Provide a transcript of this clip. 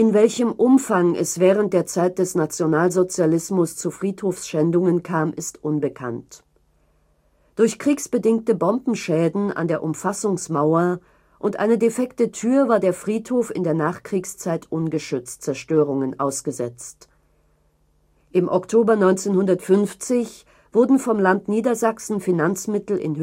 welchem Umfang es während der Zeit des Nationalsozialismus zu Friedhofsschändungen kam, ist unbekannt. Durch kriegsbedingte Bombenschäden an der Umfassungsmauer und eine defekte Tür war der Friedhof in der Nachkriegszeit ungeschützt Zerstörungen ausgesetzt. Im Oktober 1950 wurden vom Land Niedersachsen Finanzmittel in